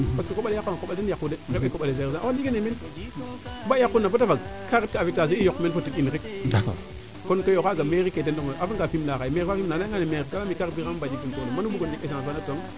parce que koɓale yaq wanga koɓale yaq wu de refe koɓale sergent o xene genee meen ba yaquna bata fag ka xend kaa affectation i yoq meen fo tig in rek kon koy o xaaga mairie ke deno ngo yo a refa nga Fimela xaye maire fa Fimela im leya ngane maire te leyame mbanu bugona essence xana coxong